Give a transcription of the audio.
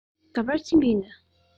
ག པར ཕྱིན པ རེད